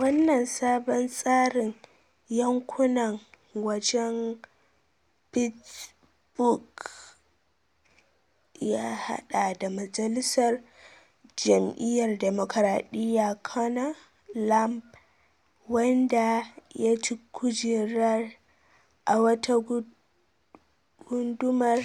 Wannan sabon tsarin yankunan wajen Pittsburg ya haɗa Ɗan Majalisar Jam’iyyar Damokraɗiya Conor Lamb - wanda ya ci kujerar a wata gundumar